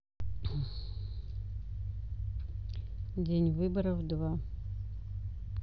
день выборов два